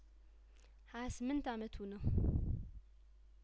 ሀያ ስምንት አመቱ ነው